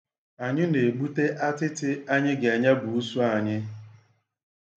Anyị na-egbute atịtị anyị ga-enye buusu anyị.